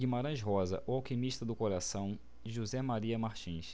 guimarães rosa o alquimista do coração de josé maria martins